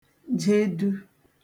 jedu